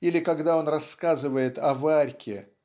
или когда он рассказывает о Варьке